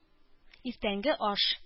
Иртәнге аш